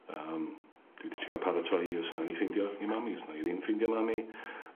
yym dwi 'di trio paratoi 'i os nawn i ffindio 'i mam 'i os nawn ni ddim ffindio mam 'i